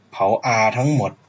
เผาอาทั้งหมด